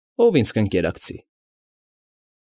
Ո՞վ ինձ կընկերակցի։